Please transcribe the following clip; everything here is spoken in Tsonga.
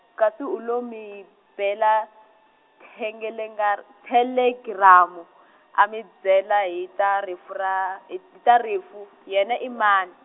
kasi u lo mi bela, thengelengar- thelegiramu, a mi byela hita rifu ra hi t- ta rifu, yena i mani?